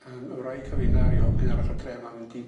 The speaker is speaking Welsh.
Yym y wraig a finna a ryw hogyn arall o dre ma'n mynd i